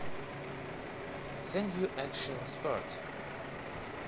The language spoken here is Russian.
sang yong action sport